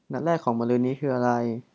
นัดแรกของมะรืนนี้คืออะไร